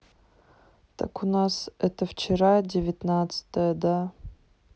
так у нас это вчера девятнадцатое да